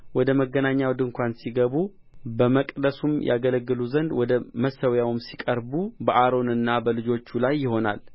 ወደ መገናኛው ድንኳን ሲገቡ በመቅደሱም ያገለግሉ ዘንድ ወደ መሠዊያው ሲቀርቡ በአሮንና በልጆቹ ላይ ይሆናል